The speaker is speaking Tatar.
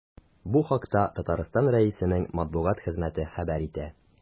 Бу хакта Татарстан Рәисенең матбугат хезмәте хәбәр итә.